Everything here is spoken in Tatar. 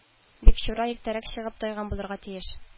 - бикчура иртәрәк чыгып тайган булырга тиеш